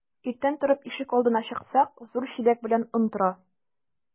Иртән торып ишек алдына чыксак, зур чиләк белән он тора.